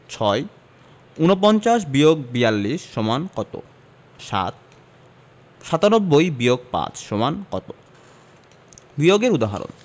৬ ৪৯বিয়োগ৪২ সমান কত ৭ ৯৭বিয়োগ৫ সমান কত বিয়োগের উদাহরণঃ